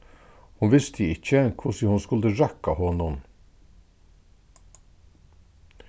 hon visti ikki hvussu hon skuldi røkka honum